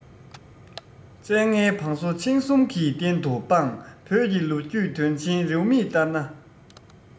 བཙན ལྔའི བང སོ འཆིང གསུང གི རྟེན དུ དཔང བོད ཀྱི ལོ རྒྱུས དོན ཆེན རེའུ མིག ལྟར ན